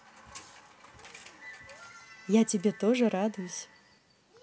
я тебе тоже радуюсь